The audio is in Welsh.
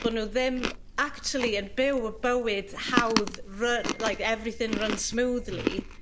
bo' nw ddim actually yn byw y bywyd hawdd ru- like everything runs smoothly.